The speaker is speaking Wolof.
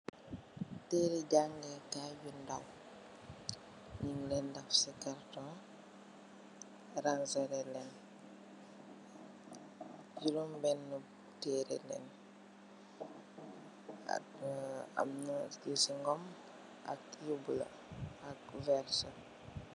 Tereh jàngeekaay yu ndaw nyung leen def ci cartong rang selehleen. Joroom benn nuh tereh leen ak nyu am lu cing ngum ak yu bulo ak werta.